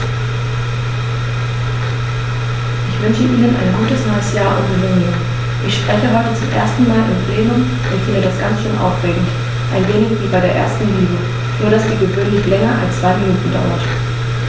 Ich wünsche Ihnen ein gutes neues Jahr und Millennium. Ich spreche heute zum ersten Mal im Plenum und finde das ganz schön aufregend, ein wenig wie bei der ersten Liebe, nur dass die gewöhnlich länger als zwei Minuten dauert.